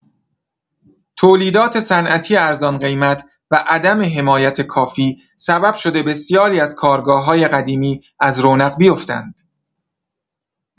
تولیدات صنعتی ارزان‌قیمت و عدم‌حمایت کافی، سبب شده بسیاری از کارگاه‌های قدیمی از رونق بیفتند.